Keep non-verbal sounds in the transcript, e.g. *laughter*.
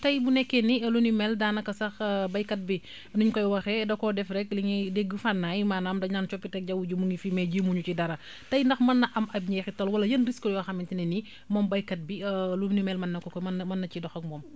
tay bu nekkee ni lu ni mel daanaka sax *hesitation* baykat bi *breath* nim koy waxee da koo def rekk li ñuy dégg Fanaye maanaam dañ naan coppite jaww ji mu ngi fi mais jéemuñu ci dara *breath* tay ndax mën na am ab jeexital wala yan risques yoo xamante ne ni moom baykat bi *hesitation* lu ni mel mën na ko ko mën na ci dox moom